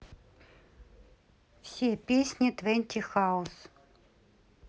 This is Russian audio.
все песни twenty house